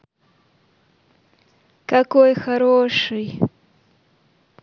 какой хороший